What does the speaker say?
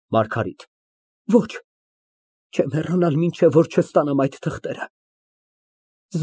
ՄԱՐԳԱՐԻՏ ֊ Ոչ, չեմ հեռանալ, մինչև որ չստանամ այդ թղթերը։